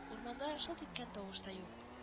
Урманда шылт иткән тавыш та юк